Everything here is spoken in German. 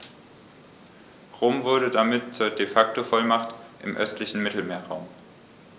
Rom wurde damit zur ‚De-Facto-Vormacht‘ im östlichen Mittelmeerraum.